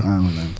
amiin amiin